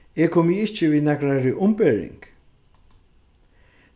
eg komi ikki við nakrari umbering